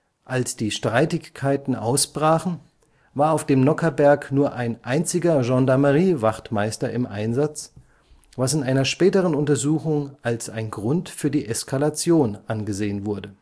Als die Streitigkeiten ausbrachen, war auf dem Nockherberg nur ein einziger Gendarmerie-Wachtmeister im Einsatz, was in einer späteren Untersuchung als ein Grund für die Eskalation angesehen wurde